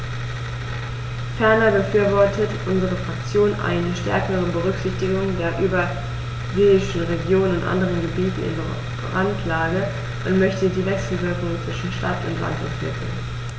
Ferner befürwortet unsere Fraktion eine stärkere Berücksichtigung der überseeischen Regionen und anderen Gebieten in Randlage und möchte die Wechselwirkungen zwischen Stadt und Land entwickeln.